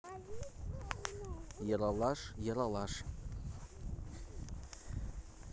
ералаш ералаш